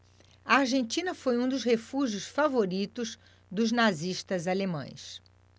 a argentina foi um dos refúgios favoritos dos nazistas alemães